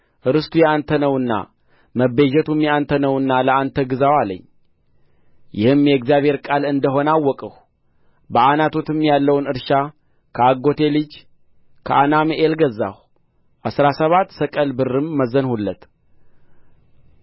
ርስቱ የአንተ ነውና መቤዠቱም የአንተ ነውና ለአንተ ግዛው አለኝ ይህም የእግዚአብሔር ቃል እንደ ሆነ አወቅሁ በዓናቶትም ያለውን እርሻ ከአጐቴ ልጅ ከአናምኤል ገዛሁ አሥራ ሰባት ሰቅል ብርም መዘንሁለት